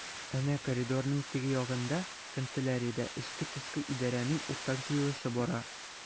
Әнә коридорның теге ягында— канцеляриядә эчке-тышкы идарәнең уртак җыелышы бара.